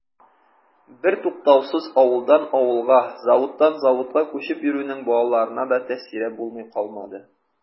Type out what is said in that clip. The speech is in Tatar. Бертуктаусыз авылдан авылга, заводтан заводка күчеп йөрүнең балаларына да тәэсире булмый калмады.